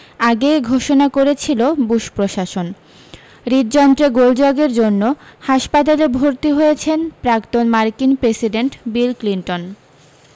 আগেই ঘোষণা করেছিল বুশ প্রশাসন হৃদযন্ত্রে গোলযোগের জন্য হাসপাতালে ভর্তি হয়েছেন প্রাক্তন মার্কিন প্রেসিডেন্ট বিল ক্লিন্টন